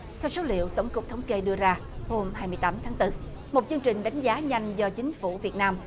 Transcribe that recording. theo số liệu tổng cục thống kê đưa ra hôm hai mươi tám tháng tư một chương trình đánh giá nhanh do chính phủ việt nam